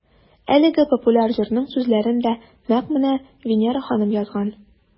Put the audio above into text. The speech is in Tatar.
Әлеге популяр җырның сүзләрен дә нәкъ менә Винера ханым язган.